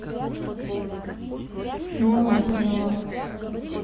много свело